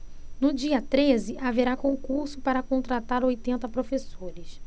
no dia treze haverá concurso para contratar oitenta professores